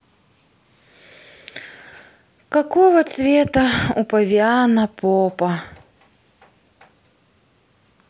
какого цвета у павиана попа